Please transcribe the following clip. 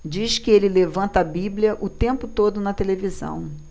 diz que ele levanta a bíblia o tempo todo na televisão